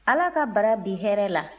ala ka bara bin hɛra la